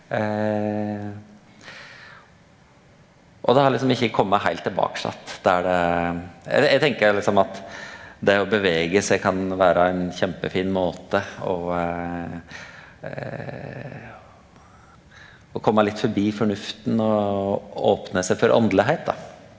og det har liksom ikkje kome heilt tilbake att der det, eller eg tenker liksom at det å bevege seg kan vera ein kjempefin måte og å komma litt forbi fornufta og opne seg for åndelegheit da.